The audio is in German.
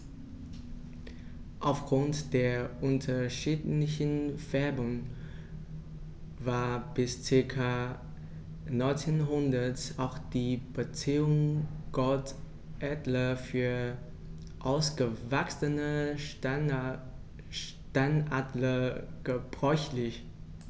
Auf Grund der unterschiedlichen Färbung war bis ca. 1900 auch die Bezeichnung Goldadler für ausgewachsene Steinadler gebräuchlich.